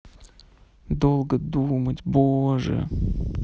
долго думать боже